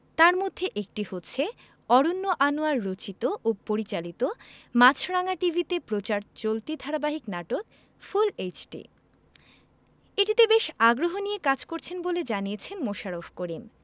তার মধ্যে একটি হচ্ছে অরন্য আনোয়ার রচিত ও পরিচালিত মাছরাঙা টিভিতে প্রচার চলতি ধারাবাহিক নাটক ফুল এইচডি এটিতে বেশ আগ্রহ নিয়ে কাজ করছেন বলে জানিয়েছেন মোশাররফ করিম